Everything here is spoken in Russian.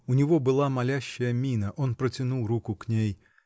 У него была молящая мина, он протянул руку к ней.